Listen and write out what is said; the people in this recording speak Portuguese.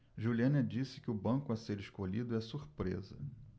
juliana disse que o banco a ser escolhido é surpresa